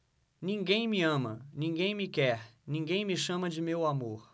ninguém me ama ninguém me quer ninguém me chama de meu amor